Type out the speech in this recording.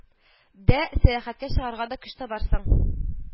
Дә, сәяхәткә чыгарга да көч табарсың